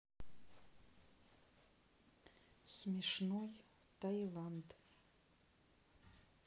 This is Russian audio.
смешной тайланд